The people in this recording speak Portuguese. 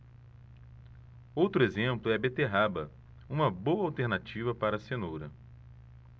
outro exemplo é a beterraba uma boa alternativa para a cenoura